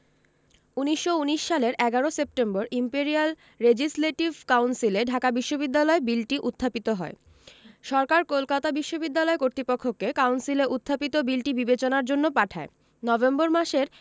১৯১৯ সালের ১১ সেপ্টেম্বর imperial legislative কাউন্সিলে ঢাকা বিশ্ববিদ্যালয় বিলটি উত্থাপিত হয় সরকার কলকাতা বিশ্ববিদ্যালয় কর্তৃপক্ষকে কাউন্সিলে উত্থাপিত বিলটি বিবেচনার জন্য পাঠায় নভেম্বর মাসের